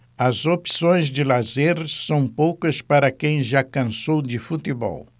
as opções de lazer são poucas para quem já cansou de futebol